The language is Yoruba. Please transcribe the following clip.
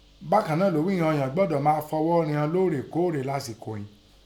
Bákàn náà ló ghí i ìghọn ọ̀ǹyàn gbọdọ̀ mọọ̀ fọ ọwọ́ righọn lóòrèkóòrè lásìkò ìín.